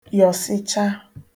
yọ̀sịchàa